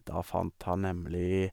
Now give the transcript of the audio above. Da fant han nemlig...